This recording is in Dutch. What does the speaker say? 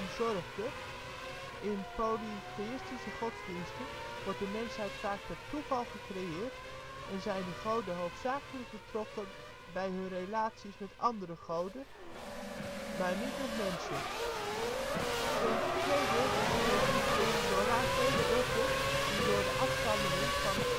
zorgde. In polytheïstische godsdiensten, wordt de mensheid vaak per toeval gecreëerd, en zijn de goden hoofdzakelijk betrokken bij hun relaties met andere goden, maar niet met mensen. Ten tweede, specificeert de Thora vele wetten die door de afstammelingen van